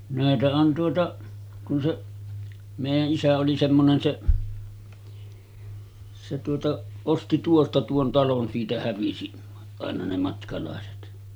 näitä on tuota kun se meidän isä oli semmoinen se se tuota osti tuosta tuon talon siitä hävisi aina ne matkalaiset